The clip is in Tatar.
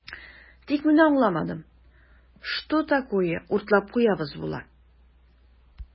Тик менә аңламадым, что такое "уртлап куябыз" була?